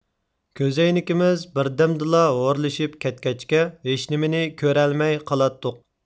كۆزەينىكىمىز بىردەمدىلا ھورلىشىپ كەتكەچكە ھېچنېمىنى كۆرەلمەي قالاتتۇق